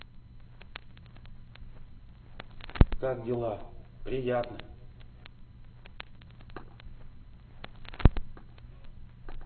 как дела приятно